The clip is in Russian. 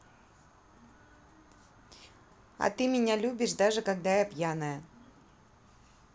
а ты меня любишь даже когда я пьяная